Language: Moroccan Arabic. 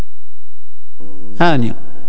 هاني